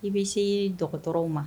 I bɛ se dɔgɔtɔrɔw ma